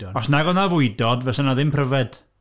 ..Os nag oedd 'na fwydod, fysa na ddim pryfed.